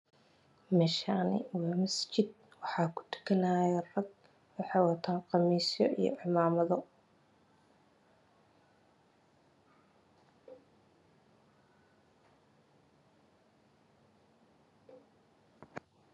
Meshani waa masjid waxa ku dukanayo rag waxeey wataan qamisyo io cimamadyo